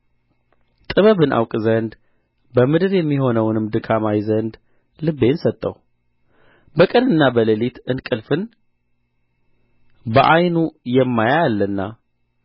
ጥበብን አውቅ ዘንድ በምድር የሚሆነውንም ድካም አይ ዘንድ ልቤን ሰጠሁ በቀንና በሌሊት እንቅልፍን በዓይኑ የማያይ አለና